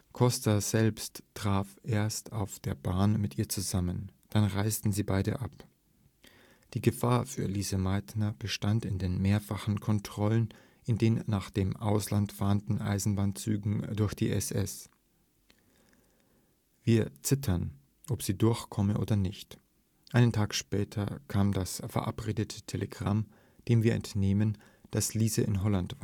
Coster selbst traf erst auf der Bahn mit ihr zusammen; dann reisten sie beide ab. Die Gefahr für Lise Meitner bestand in den mehrfachen Kontrollen in den nach dem Ausland fahrenden Eisenbahnzügen durch die SS. - Wir zitterten, ob sie durchkomme oder nicht. Einen Tag später kam das verabredete Telegramm, dem wir entnahmen, dass Lise in Holland